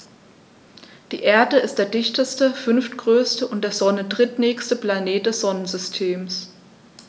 Die Erde ist der dichteste, fünftgrößte und der Sonne drittnächste Planet des Sonnensystems.